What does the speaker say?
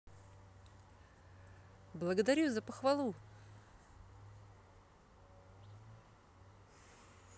благодарю за похвалу